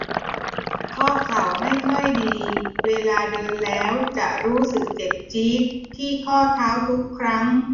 ข้อเข่าไม่ค่อยดีเวลาเดินแล้วจะรู้สึกเจ็บจี๊ดที่ข้อเท้าทุกครั้ง